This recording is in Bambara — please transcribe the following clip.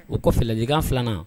O kɔ fɛ ladilikan 2 nan